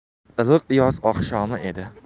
iliq yoz oqshomi edi